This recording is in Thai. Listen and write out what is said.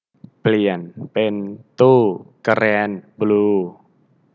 เปลี่ยนเป็นตู้แกรนบลู